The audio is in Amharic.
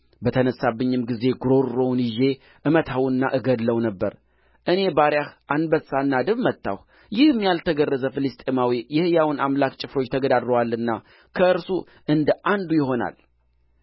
በተነሣብኝም ጊዜ ጕሮሮውን ይዤ እመታውና እገድለው ነበር እኔ ባሪያህ አንበሳና ድብ መታሁ ይህም ያልተገረዘው ፍልስጥኤማዊ የሕያውን አምላክ ጭፍሮች ተገዳድሮአልና ከእነርሱ እንደ አንዱ ይሆናል